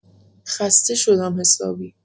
خسته شدم حسابی.